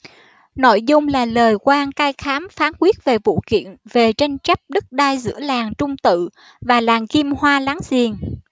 nội dung là lời quan cai khám phán quyết về vụ kiện về tranh chấp đất đai giữa làng trung tự và làng kim hoa láng giềng